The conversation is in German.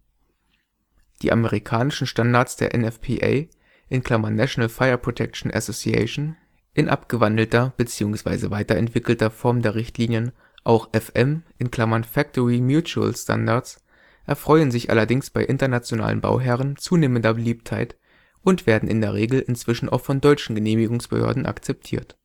Die amerikanischen Standards der NFPA (National Fire Protection Association) - in abgewandelter bzw. weiterentwickelter Form der Richtlinien auch FM - (Factory Mutual) Standards - erfreuen sich allerdings bei internationalen Bauherren zunehmender Beliebtheit und werden in der Regel inzwischen auch von deutschen Genehmigungsbehörden akzeptiert